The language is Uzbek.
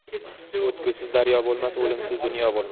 o'tgusiz daryo bo'lmas o'limsiz dunyo bo'lmas